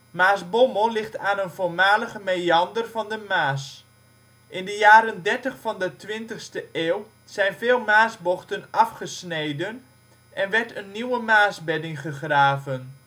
Maasbommel ligt aan een voormalige meander van de Maas. In de jaren ' 30 van de 20e eeuw zijn veel Maasbochten afgesneden en werd een nieuwe Maasbedding gegraven